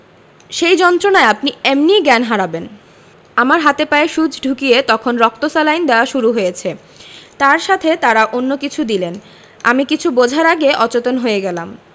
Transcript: সেই যন্ত্রণায় আপনি এমনি জ্ঞান হারাবেন আমার হাতে পায়ে সুচ ঢুকিয়ে তখন রক্ত স্যালাইন দেওয়া শুরু হয়েছে তার সাথে তারা অন্য কিছু দিলেন আমি কিছু বোঝার আগে অচেতন হয়ে গেলাম